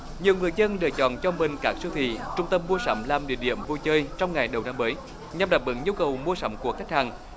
nhiều người dân được chọn cho mình các siêu thị trung tâm mua sắm làm địa điểm vui chơi trong ngày đầu năm mới nhằm đáp ứng nhu cầu mua sắm của khách hàng